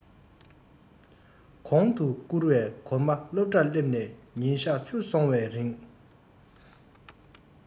གོང དུ བསྐུར བའི སྒོར མ སློབ གྲྭར སླེབས ནས ཉིན གཞག བཅུ སོང བའི རིང